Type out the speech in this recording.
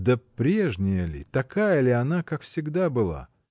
— Да прежняя ли, такая ли она, как всегда была?.